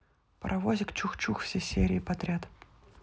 паровозик чух чух все серии подряд